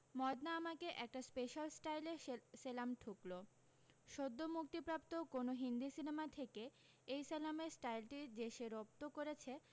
মদনা আমাকে একটা স্পেশাল স্টাইলে সে সেলাম ঠুকলো সদ্য মুক্তিপ্রাপ্ত কোনো হিন্দী সিনেমা থেকে এই সেলামের স্টাইলটি যে সে রপ্ত করেছে